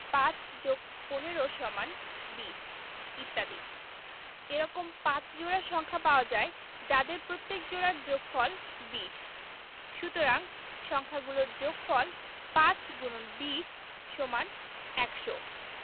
৫+১৫=২০ ইত্যাদি এরকম ৫ জোড়া সংখ্যা পাওয়া যায় যাদের প্রত্যেক জোড়ার যোগফল ২০ সুতরাং সংখ্যা গুলোর যোগফল ৫x২০=১০০